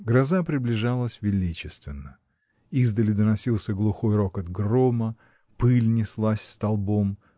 Гроза приближалась величественно: издали доносился глухой рокот грома, пыль неслась столбом.